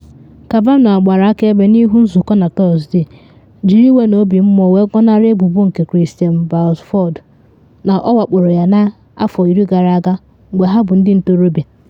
Kavanaugh gbara akaebe n’ihu Nzụkọ na Tọsde, jiri iwe na obi mmụọ wee gọnarị ebubo nke Christine Blasey Ford na ọ wakporo ya n’afọ iri gara aga mgbe ha bụ ndị ntorobia.